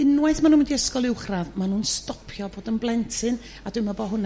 unwaith ma' nhw'n mynd i ysgol uwchradd ma' nhw'n stopio bod yn blentyn a dwi me'wl bo hwnna